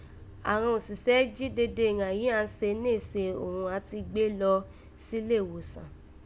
Àghan òsìsẹ́ jí dede ìghàn yìí àán se nése òghun àán ti gbé lọ síléẹ̀wòsàn